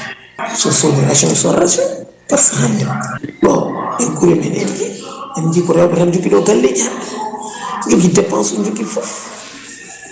so soodi ration sood ration * ɗo ene koyemen en ji en ji ko rewɓe tan joguiɗo galleji hande jogui dépense jogui foof